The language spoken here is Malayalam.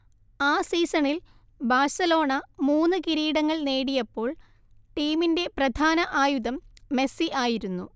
ആ സീസണിൽ ബാർസലോണ മൂന്ന് കിരീടങ്ങൾ നേടിയപ്പോൾ ടീമിന്റെ പ്രധാന ആയുധം മെസ്സി ആയിരുന്നു